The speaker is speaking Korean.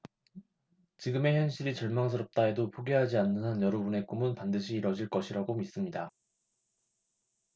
지금의 현실이 절망스럽다 해도 포기하지 않는 한 여러분의 꿈은 반드시 이뤄질 것이라고 믿습니다